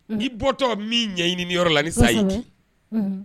N'i bɔtɔ min ɲɛɲini yɔrɔ la ni say'i kin. Kosɛbɛ!